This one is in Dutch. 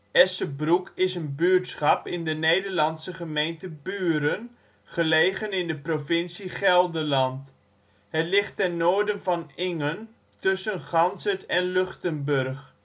Essebroek is een buurtschap in de Nederlandse gemeente Buren, gelegen in de provincie Gelderland. Het ligt ten noorden van Ingen, tussen Ganzert en Luchtenburg